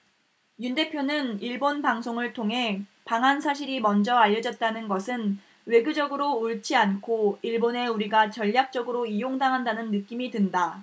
윤 대표는 일본 방송을 통해 방한 사실이 먼저 알려졌다는 것은 외교적으로 옳지 않고 일본에 우리가 전략적으로 이용당한다는 느낌이 든다